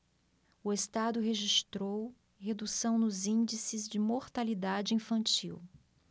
o estado registrou redução nos índices de mortalidade infantil